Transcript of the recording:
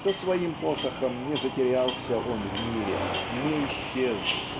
со своим посохом не затерялся он в мире, не исчез